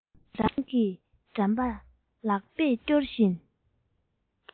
རང གི འགྲམ པ ལག པས སྐྱོར བཞིན